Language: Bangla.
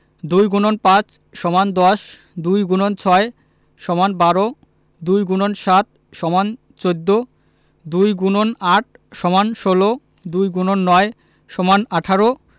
২ X ৫ = ১০ ২ X ৬ = ১২ ২ X ৭ = ১৪ ২ X ৮ = ১৬ ২ X ৯ = ১৮